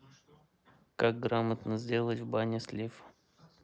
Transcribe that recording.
как грамотно сделать в бане слив